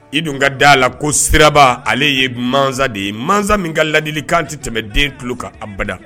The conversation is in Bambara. I dun ka d' a la ko siraba ale ye de ye ma min ka ladili kantɛ tɛmɛ den ku ka abada